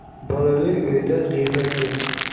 bolali uyda g'iybat yo'q